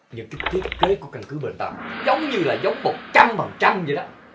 những kí thiết kế của căn cứ bên ta giống như là giống một trăm phần trăm dậy đó